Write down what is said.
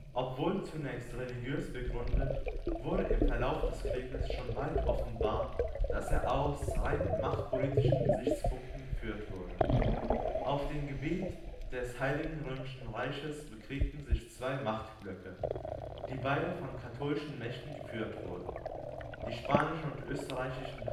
Obwohl zunächst religiös begründet, wurde im Verlauf des Krieges schon bald offenbar, dass er aus rein machtpolitischen Gesichtspunkten geführt wurde. Auf dem Gebiet des Heiligen Römischen Reichs bekriegten sich zwei Machtblöcke, die beide von katholischen Mächten geführt wurden: die spanischen und österreichischen